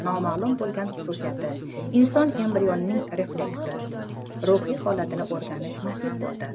noma'lum bo'lgan xususiyati inson embrionining refleksiyasi ruhiy holatini o'rganish nasib bo'ldi